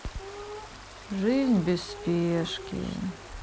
жизнь без спешки